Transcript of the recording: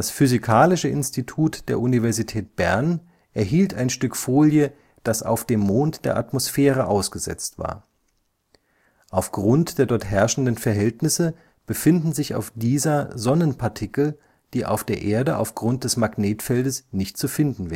physikalische Institut der Universität Bern erhielt ein Stück Folie, das auf dem Mond der Atmosphäre ausgesetzt war. Aufgrund der dort herrschenden Verhältnisse befinden sich auf dieser Sonnenpartikel, die auf der Erde aufgrund des Magnetfeldes nicht zu finden